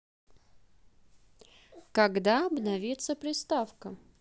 когда обновится приставка